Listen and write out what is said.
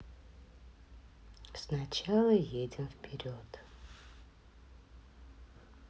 сначала едем вперед